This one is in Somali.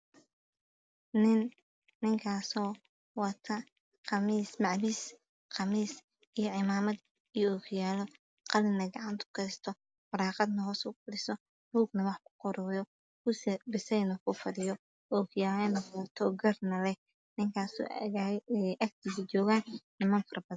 Waa nin wato macawis, qamiis iyo cimaamad iyo ookiyaalo qalina gacanta kuheysto waraaq na hoostaalo buugna wax kuqoraayo, kursi basali ah ayuu kufadhiyaa waana nin gar leh waxaa agtiisa joogo niman badan.